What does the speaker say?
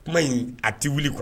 Kuma in a tɛ wuli kuwa